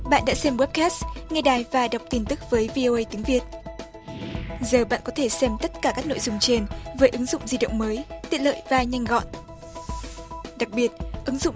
bạn đã xem goát két nghe đài và đọc tin tức với vi âu ây tiếng việt giờ bạn có thể xem tất cả các nội dung trên với ứng dụng di động mới tiện lợi và nhanh gọn đặc biệt ứng dụng